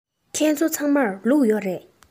ཁྱེད ཚོ ཚང མར ལུག ཡོད རེད